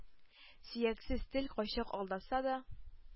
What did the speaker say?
Сөяксез тел кайчак алдаса да,